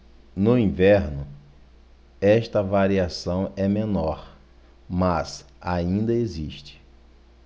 no inverno esta variação é menor mas ainda existe